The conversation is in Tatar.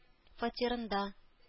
Фатирында